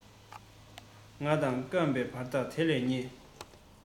ང དང བརྐམ པའི བར ཐག དེ ལས ཉེ